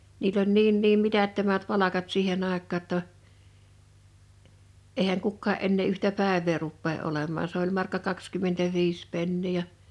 niillä oli niin niin mitättömät palkat siihen aikaan jotta eihän kukaan enää yhtä päivää rupea olemaan se oli markka kaksikymmentäviisi penniä ja